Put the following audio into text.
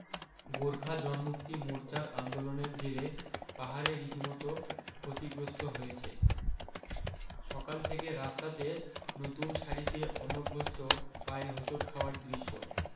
গোর্খা জন্মুক্তি মোর্চার আন্দোলনের জেরে পাহাড়ে রীতিমতো ক্ষতিগ্রস্ত হয়েছে সকাল থেকে রাস্তাতে নতুন শাড়ীতে অনভ্যস্ত পায়ে হোঁচট খাওয়ার দৃশ্য